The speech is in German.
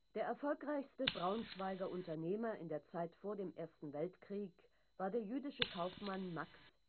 erfolgreichste Braunschweiger Unternehmer in der Zeit vor dem Ersten Weltkrieg war der jüdische Kaufmann Max